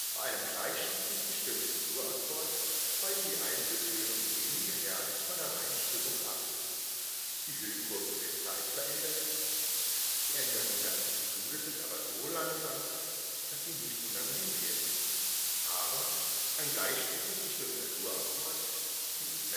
Bei einem gleichstufig gestimmten Dur-Akkord weichen die Einzel-Töne um wenige Hertz von der reinen Stimmung ab. Die Hüllkurve wird zeitveränderlich (grüne Kurve, 2. von oben). Die Änderungen der Amplitude sind aber so langsam, dass sie nicht unangenehm wirken. Aber: ein gleichstufig gestimmter Dur-Akkord klingt